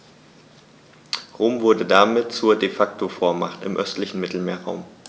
Rom wurde damit zur ‚De-Facto-Vormacht‘ im östlichen Mittelmeerraum.